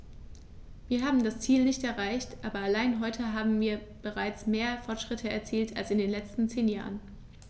Wir haben das Ziel nicht erreicht, aber allein heute haben wir bereits mehr Fortschritte erzielt als in den letzten zehn Jahren.